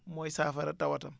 mooy saafara tawatam